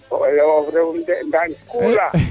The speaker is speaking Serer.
o elewof refum de Ndane ku'o layaa